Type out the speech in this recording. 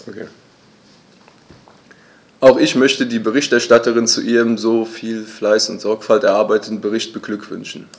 Auch ich möchte die Berichterstatterin zu ihrem mit so viel Fleiß und Sorgfalt erarbeiteten Bericht beglückwünschen.